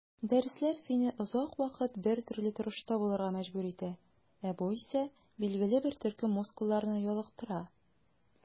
Дәресләр сине озак вакыт бертөрле торышта булырга мәҗбүр итә, ә бу исә билгеле бер төркем мускулларны ялыктыра.